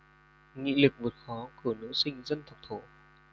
nghị lực vượt khó của nữ sinh dân tộc thổ